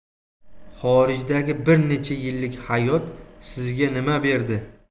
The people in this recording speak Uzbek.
xorijdagi bir necha yillik hayot sizga nima berdi